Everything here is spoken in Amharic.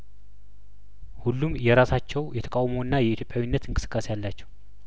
ሁሉም የራሳቸው የተቃውሞና የኢትዮጵያዊነት እንቅስቃሴ አላቸው